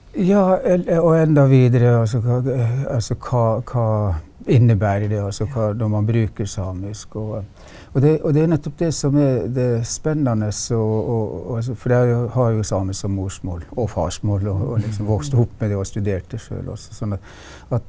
ja og enda videre altså hva det altså hva hva innebærer det altså hva når man bruker samisk og og det og det er jo nettopp det som er det spennende og og og altså fordi jeg jo har jo samisk som morsmål og farsmål og og er liksom vokst opp med det og studert det sjøl også sånn at at.